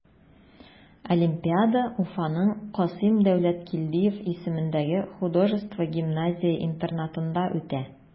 Олимпиада Уфаның Касыйм Дәүләткилдиев исемендәге художество гимназия-интернатында үтә.